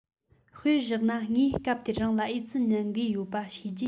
དཔེ བཞག ན ངའི སྐབས དེར རང ལ ཨེ ཙི ནད འགོས ཡོད པ ཤེས རྗེས